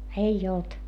ei ollut